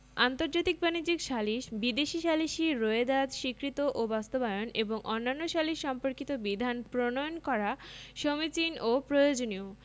আন্তর্জাতিক বাণিজ্যিক সালিস বিদেশী সালিসী রোয়েদাদ স্বীকৃত ও বাস্তবায়ন এবং অন্যান্য সালিস সম্পর্কিত বিধান প্রণয়ন করা সমীচীন ও প্রয়োজনীয়